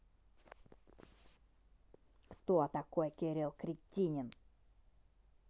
кто такой кирилл кретинин